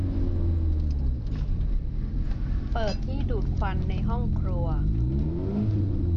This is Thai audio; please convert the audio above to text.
เปิดที่ดูดควันในห้องครัว